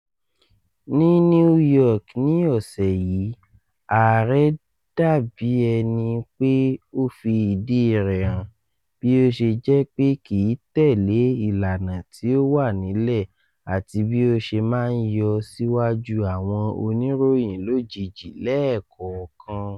Ní New York ní ọ́ṣẹ̀ yìí, ààrẹ́ dá bí ẹnípé ó fi ìdí rẹ̀ hàn, bí ó ṣe jẹ́ pé kìí tẹ̀lé ìlànà to ti wa nílẹ̀ àti bí ó ṣe máa ń yọ síwájú àwọn oníròyìn lójijì lẹ́ẹ̀kọ̀kan.